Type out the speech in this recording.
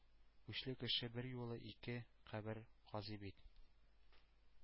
Үчле кеше берьюлы ике кабер казый бит?